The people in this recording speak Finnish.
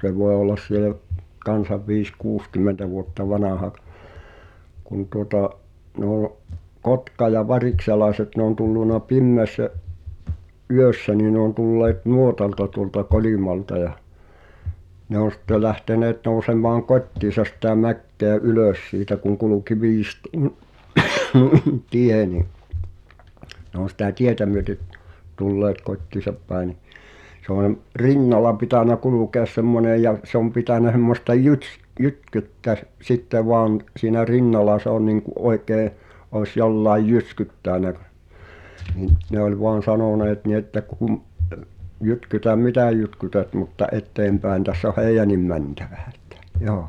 se voi olla siellä kanssa viisi kuusikymmentä vuotta vanha - kun tuota nuo kotka- ja varikselaiset ne on tullut pimeässä yössä niin ne on tulleet nuotalta tuolta Kolimalta ja ne on sitten lähteneet nousemaan kotiinsa sitä mäkeä ylös siitä kun kulki viistoon noin tie niin ne on sitä tietä myötä tulleet kotiinsa päin niin se on rinnalla pitänyt kulkea semmoinen ja se on pitänyt semmoista - jytkettä - sitten vain siinä rinnalla se on niin kuin oikein olisi jollakin jyskyttänyt niin ne oli vain sanoneet niin että kun jytkytä mitä jytkytät mutta eteenpäin tässä on heidänkin mentävä että joo